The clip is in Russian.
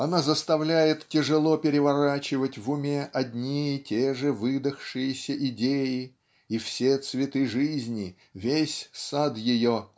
она заставляет тяжело переворачивать в уме одне и те же выдохшиеся идеи и все цветы жизни весь сад ее.